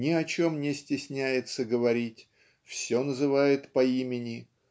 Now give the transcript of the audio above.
ни о чем не стесняется говорить все называет по имени